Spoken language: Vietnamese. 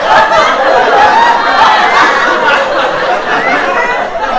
thôi con xin lỗi nhưng mà bà bị bệnh gì